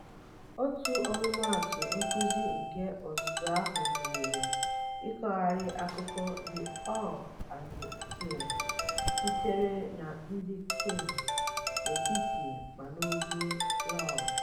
Otu ọmụmatụ nkuzi nke ọzụzụ ahụ gunyere ịkọgharị akụkọ "The Owl and the Deer" sitere na ndị Kmhmu' n'etiti ma n'ugwu Laos.